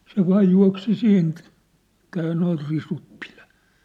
se vain juoksi siinä että ei nuo risut pidä